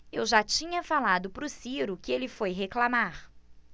eu já tinha falado pro ciro que ele foi reclamar